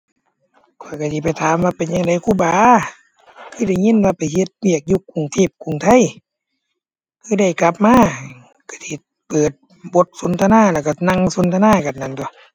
ข้อยก็สิไปถามว่าเป็นจั่งใดคูบา คือได้ยินว่าไปเฮ็ดเวียกอยู่กรุงเทพกรุงไทย สิได้กลับมา ก็สิเปิดบทสนทนา แล้วก็นั่งสนทนากันนั่นตั่ว